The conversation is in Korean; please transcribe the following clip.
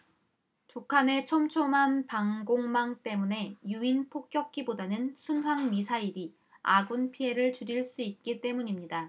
북한의 촘촘한 방공망 때문에 유인 폭격기보다는 순항미사일이 아군 피해를 줄일 수 있기 때문입니다